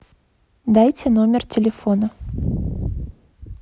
дайте номер телефона